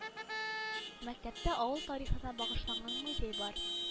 Мәктәптә авыл тарихына багышланган музей бар